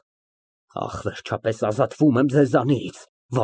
Ահ, վերջապես, ազատվում եմ ձեզանից։